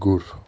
uy bir go'r